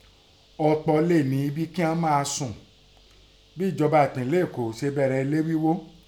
Ọ̀pọ̀ leè ní ibi kíghọ́n máa sùn bí ẹ̀jọba ẹ̀pínlẹ̀ Èkó se bẹ̀rẹ̀ elé ghíghó